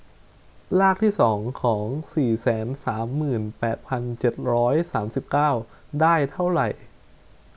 รากที่สองของสี่แสนสามหมื่นแปดพันเจ็ดร้อยสามสิบเก้าได้เท่าไหร่